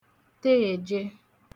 teèje